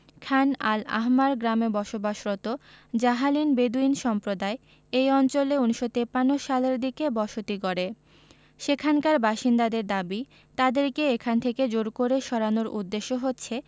খান al Ahmar গ্রামে বসবাসরত Jahalin Bedouin সম্প্রদায় এই অঞ্চলে ১৯৫৩ সালের দিকে বসতি গড়ে সেখানকার বাসিন্দাদের দাবি তাদেরকে এখান থেকে জোর করে সরানোর উদ্দেশ্য হচ্ছে